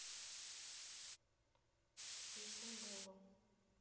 песня було